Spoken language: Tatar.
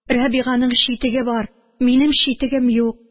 Рәбиганың читеге бар, минем читегем юк